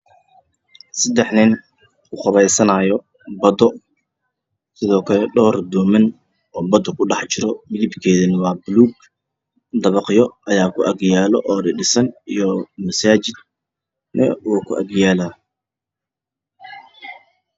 Waa seddex nin oo ku qubaysanaayo badda iyo dhawr dooman oo badda kujiro, midabkeedu waa buluug dabaqyo ayaa ku agyaalo oo dhisan iyo masaajid.